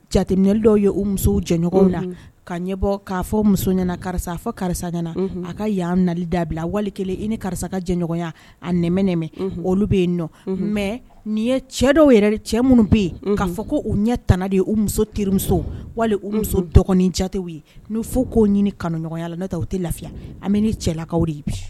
Jali dɔw ye u muso jɛ na ka ɲɛ bɔ k'a fɔ muso ɲɛna karisa a karisagɛn na a ka yan nali dabila a wali kelen i ni karisa ka jɛɲɔgɔnya a nɛɛnɛmɛ olu bɛ yen nɔ mɛ nin ye cɛ dɔw yɛrɛ cɛ minnu bɛ yen kaa fɔ ko u ɲɛ tana de ye u muso terimuso wali u muso dɔgɔnin jatɛw ye ni fo k'o ɲini kanuɲɔgɔnya la ne taa' tɛ lafiya an bɛ ne cɛlakaw de ye bi